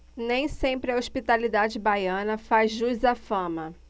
nem sempre a hospitalidade baiana faz jus à fama